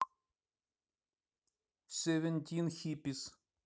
севентин хипис